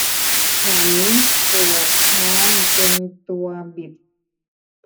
ฉันปวดท้องจนตัวบิด